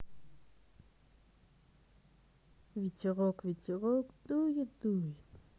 ветерок ветерок дует дует